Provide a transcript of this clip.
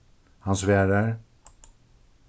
hann svarar